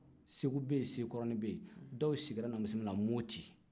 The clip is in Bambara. segou bɛ yen segukɔrɔnin bɛ dɔw sigira moti